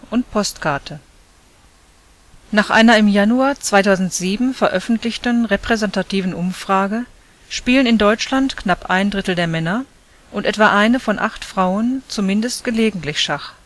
Nach einer im Januar 2007 veröffentlichten repräsentativen Umfrage spielen in Deutschland knapp ein Drittel der Männer und etwa eine von acht Frauen zumindest gelegentlich Schach